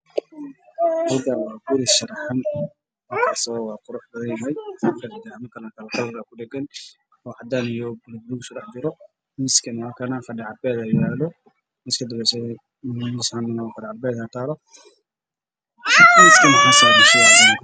Meeshan waa guri aqal ah oo cusub